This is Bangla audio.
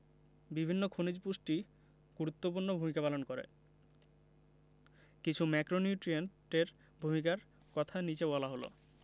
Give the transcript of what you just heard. বিভিন্ন খনিজ পুষ্টি গুরুত্বপূর্ণ ভূমিকা পালন করে কিছু ম্যাক্রোনিউট্রিয়েন্টের ভূমিকার কথা নিচে বলা হল